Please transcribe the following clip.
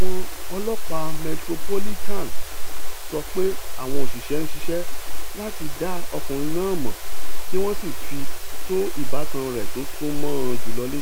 Àwọn Ọlọ́ọ̀pá Metropolitan sọ pé àwọn òṣìṣẹ́ ńṣiṣẹ́ láti dá ọkùnrin náà mọ̀ kí wọ́n sì fi tó ìbátan rẹ̀ tó súnmọ́ ọ́n jùlọ létí.